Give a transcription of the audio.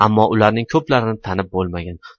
ammo ularning ko'plarini tanib bo'lmagan